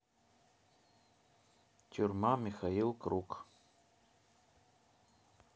тюрьма михаил круг